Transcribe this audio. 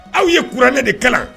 Aw ye kuranɛ de kalan